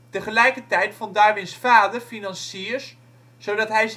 Tegelijkertijd vond Darwins vader financiers, zodat hij